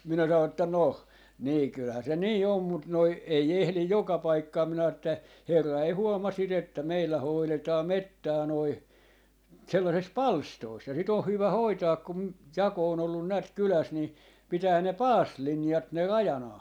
minä sanoin että no niin kyllähän se niin on mutta noin ei ehdi joka paikkaan minä sanoin että herra ei huomaa sitä että meillä hoidetaan metsää noin sellaisessa palstoissa ja sitä on hyvä hoitaa - jako on ollut näet kylässä niin pitää ne paasilinjat ne rajanaan